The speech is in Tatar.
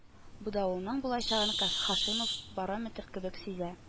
Бу давылның булачагын Һашимов барометр кебек сизә